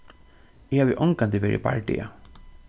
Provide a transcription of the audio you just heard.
eg havi ongantíð verið í bardaga